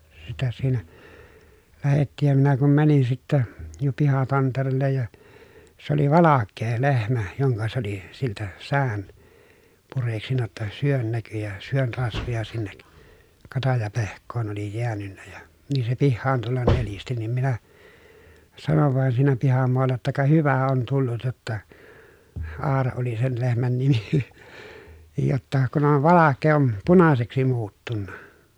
sitä siinä lähdettiin ja minä kun menin sitten ja pihatantereelle ja se oli valkea lehmä jonka se oli siltä säkän pureksinut jotta sydän näkyi ja sydän rasvoja sinne - katajapehkoon oli jäänyt ja niin se pihaan tulla nelisti niin minä sanoin vain siinä pihamaalla jotta ka hyvä on tullut jotta Aura oli sen lehmän nimi niin jotta kun on valkea on punaiseksi muuttunut